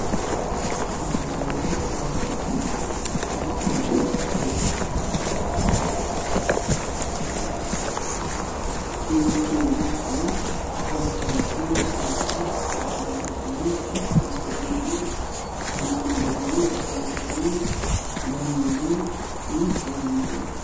Waxaa ii muuqda niman dhisayo waxa ayna wadaan shubkii karo iyo kan hoose waxaa lahagjinayaan shamiito nimanna way agtaagan yihiin